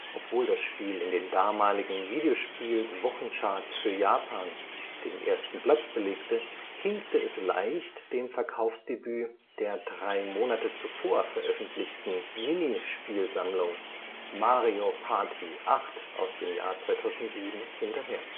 Obwohl das Spiel in den damaligen Videospielwochencharts für Japan den ersten Platz belegte, hinkte es leicht dem Verkaufsdebüt der drei Monate zuvor veröffentlichten Minispielsammlung Mario Party 8 (Wii, 2007) hinterher